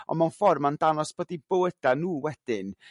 On' mewn ffor' ma'n dangos bod 'u bywyda' nhw wedyn